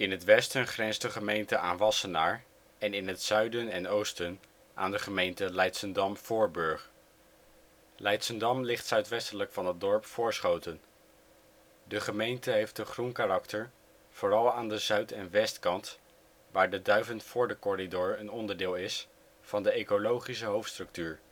het westen grenst de gemeente aan Wassenaar en in het zuiden en oosten aan de gemeente Leidschendam-Voorburg. Leidschendam ligt zuidwestelijk van het dorp Voorschoten. De gemeente heeft een groen karakter, vooral aan de zuid - en westkant, waar de Duivenvoordecorridor een onderdeel is van de Ecologische hoofdstructuur